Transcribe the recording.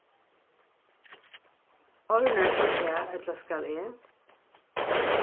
orðnar tú tað ella skal eg